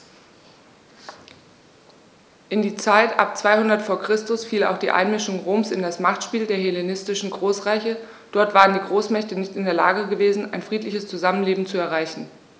In die Zeit ab 200 v. Chr. fiel auch die Einmischung Roms in das Machtspiel der hellenistischen Großreiche: Dort waren die Großmächte nicht in der Lage gewesen, ein friedliches Zusammenleben zu erreichen.